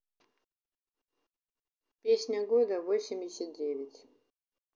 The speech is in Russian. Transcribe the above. песня года восемьдесят девять